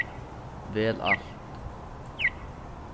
vel alt